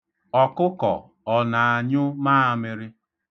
Ọkụkọ, ọ na-anyụ maamịrị?